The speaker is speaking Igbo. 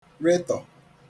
retọ̀